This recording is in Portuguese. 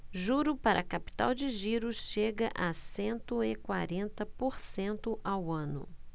juro para capital de giro chega a cento e quarenta por cento ao ano